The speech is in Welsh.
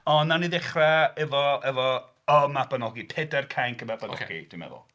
Ond wnawn ni ddechrau efo... efo y Mabinogi, Pedair Cainc y Mabinogi, dwi'n meddwl.